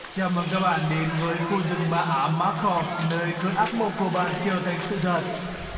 chào mừng các bạn đến với khu rừng ma ám mác cọp nơi cơn ác mộng của bạn trở thành sự thật